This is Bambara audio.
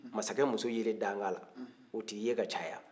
masakɛ muso yelen danga la o tɛ ye ka caya